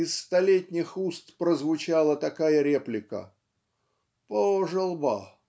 из столетних уст прозвучала такая реплика "Пожил бы.